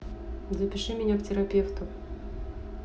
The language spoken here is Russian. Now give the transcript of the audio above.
запиши меня к терапевту